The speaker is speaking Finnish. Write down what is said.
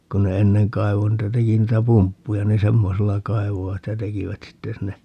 kun ne ennen kaivoi niitä teki niitä pumppuja niin semmoisella kaivoivat ja tekivät sitten sinne